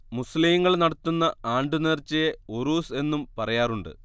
മുസ്ലിംകൾ നടത്തുന്ന ആണ്ട് നേർച്ചയെ ഉറൂസ് എന്നും പറയാറുണ്ട്